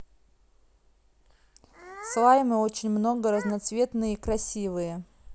слаймы очень много разноцветные и красивые